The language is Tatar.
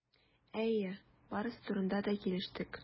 Әйе, барысы турында да килештек.